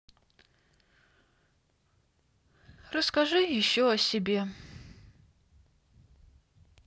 расскажи еще о себе